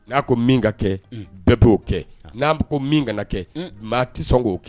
N'a ko min ka kɛ, un, bɛɛ b'o kɛ, un, n'a ko min kana kɛ, un, maa tɛ sɔn k'o kɛ